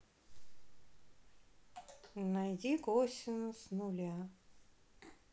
найди косинус нуля